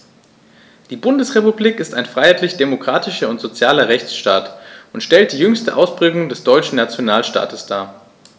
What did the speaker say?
Die Bundesrepublik ist ein freiheitlich-demokratischer und sozialer Rechtsstaat und stellt die jüngste Ausprägung des deutschen Nationalstaates dar.